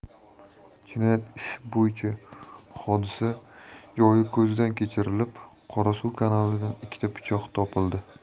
jinoyat ishi bo'yicha hodisa joyi ko'zdan kechirilib qorasuv kanalidan ikkita pichoq topildi